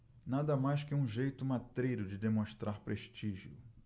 nada mais que um jeito matreiro de demonstrar prestígio